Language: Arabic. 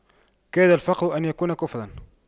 كاد الفقر أن يكون كفراً